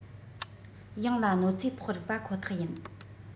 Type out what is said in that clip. ཡང ལ གནོད འཚེ ཕོག རིགས པ ཁོ ཐག ཡིན